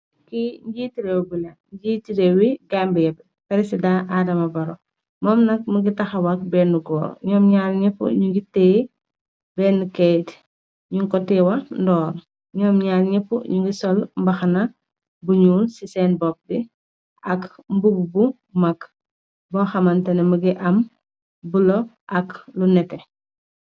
Kii jiiti reew bi la, jiiti reewi Gambiya bi, Presidaa Adama Barrow mom nak mingi taxaw wag bena goor nyu nyaar nyapu nyingi tiye bena kayit, nyung ko tiye ndoor, yuum nyaar nyappu sol baxana bu nyuul si bopabi, ak mbuba bu mag bo xamantenii mingi am bula ak lu nete .